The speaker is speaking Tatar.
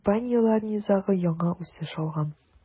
Компанияләр низагы яңа үсеш алган.